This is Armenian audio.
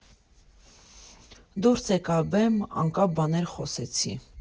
Դուրս եկա բեմ, անկապ բաներ խոսեցի։